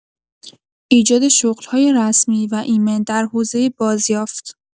ایجاد شغل‌های رسمی و ایمن در حوزه بازیافت